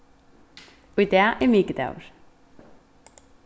í dag er mikudagur